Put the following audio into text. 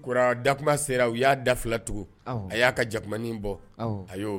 Ko dakuma sera u y'a daula tugun a y'a ka jain bɔ a yeo